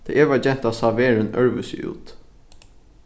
tá eg var genta sá verðin øðrvísi út